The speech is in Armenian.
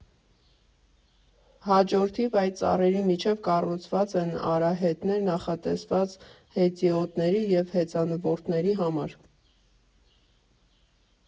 Հաջորդիվ, այդ ծառերի միջև կառուցվում են արահետներ՝ նախատեսված հետիոտների և հեծանվորդների համար։